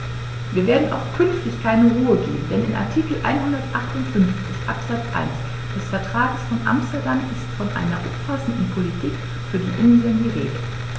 Wir werden auch künftig keine Ruhe geben, denn in Artikel 158 Absatz 1 des Vertrages von Amsterdam ist von einer umfassenden Politik für die Inseln die Rede.